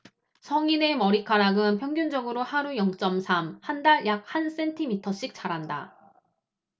성인의 머리카락은 평균적으로 하루 영 쩜 삼 한 달 약 한 센티미터씩 자란다